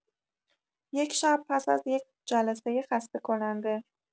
یک شب پس از یک جلسه خسته‌کننده